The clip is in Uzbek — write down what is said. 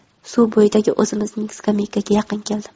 suv bo'yidagi o'zimizning skameykaga yaqin keldim